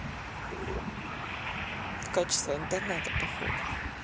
качество интернета плохое